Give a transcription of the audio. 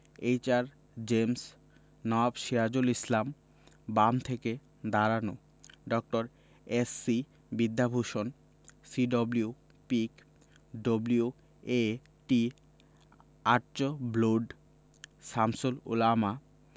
H R. James Nawab Sirajul Islam বাম থেকে দাঁড়ানো ড. S C. Vidyabhusan C W. Peake W A T. Archbold Shamsul উলামা